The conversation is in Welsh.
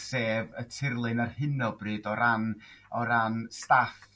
Sef y tirlun ar hyn o bryd o ran o ran staff